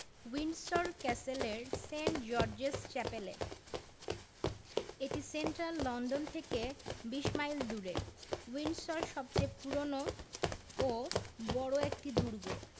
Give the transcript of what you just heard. Windsor ক্যাসেলের Saint George's চ্যাপেলে এটি সেন্ট্রাল লন্ডন থেকে ২০ মাইল দূরে উইন্ডসর সবচেয়ে পুরোনো ও বড় একটি দুর্গ